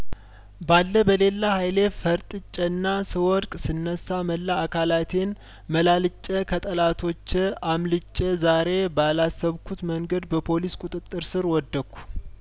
ባለበሌለ ሀይሌ ፈርጥጬና ስወድቅ ስነሳ መላ አካላቴን መላልጬ ከጠላቶቼ አምልጬ ዛሬ ባላሰ ብኩት መንገድ በፖሊስ ቁጥጥር ስር ወደኩ